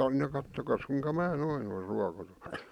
no katsokaas kuinka minä noin olen ruokoton